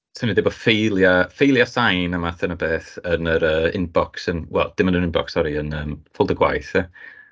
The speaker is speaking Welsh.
'Swn i'n deud bod ffeiliau ffeiliau sain a math yna o beth yn yr yy inbox yn... wel, dim yn yr inbox, sori yn yym ffolder gwaith ia.